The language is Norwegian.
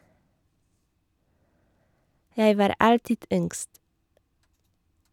Jeg var alltid yngst.